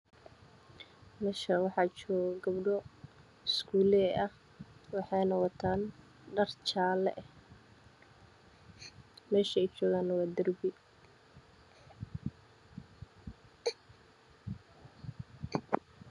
Meeshaan waxaa jooga gabdho school ah waxay wataan dhar jaale ah meesha ay joogana waa darbi